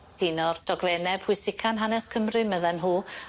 Un o'r dogfenne pwysica yn hanes Cymru medden nhw.